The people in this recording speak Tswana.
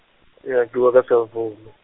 e a bua ka cell founu.